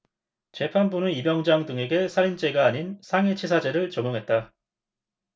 재판부는 이 병장 등에게 살인죄가 아닌 상해치사죄를 적용했다